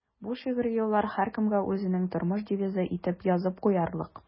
Бу шигъри юллар һәркемгә үзенең тормыш девизы итеп язып куярлык.